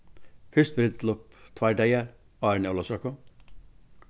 fyrst brúdleyp tveir dagar áðrenn ólavsøku